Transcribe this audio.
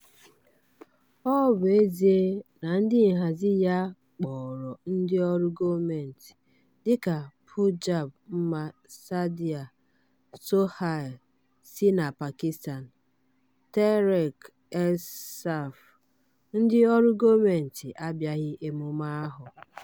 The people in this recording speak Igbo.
Ọ bụ ezie na ndị nhazi ya kpọrọ ndị ọrụ gọọmentị, dịka Punjab MNA Saadia Sohail si na Pakistan Tehreek e Insaf, ndị ọrụ gọọmentị abịaghị emume ahụ.